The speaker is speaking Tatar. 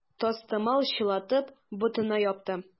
Тастымал чылатып, ботына япты.